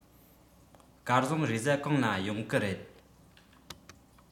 སྐལ བཟང རེས གཟའ གང ལ ཡོང གི རེད